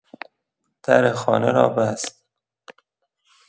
در خانه را بست.